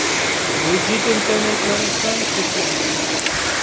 byudjet imkoniyatlari ham cheklangan